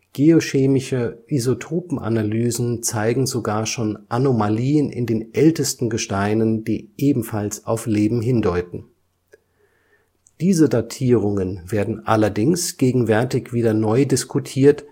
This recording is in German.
geochemische Isotopenanalysen zeigen sogar schon Anomalien in den ältesten Gesteinen, die ebenfalls auf Leben hindeuten. Diese Datierungen werden allerdings gegenwärtig wieder neu diskutiert